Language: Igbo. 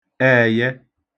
ẹẹ̄yẹ